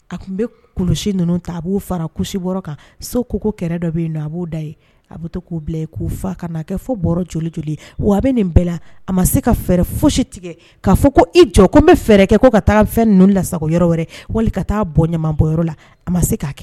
A tun bɛ kulusi ninnu ta a b' fara kulusi kan so ko ko kɛlɛ dɔ bɛ yen a b'o da ye a' to k'u bila k'u faa ka'a kɛ fo bɔ joli joli wa a bɛ nin bɛɛ la a ma se ka fɛɛrɛ foyisi tigɛ'a fɔ ko i jɔ ko n bɛ fɛɛrɛ kɛ ko ka taa fɛn ninnu lasago yɔrɔ wɛrɛ wali ka taa bɔ ɲama bɔyɔrɔ la a ma se k'a kɛ